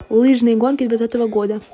лыжные гонки двадцатого года